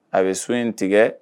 A bɛ su in tigɛ